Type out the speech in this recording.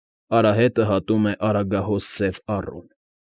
Արահետև հատում է արագահոս Սև առուն։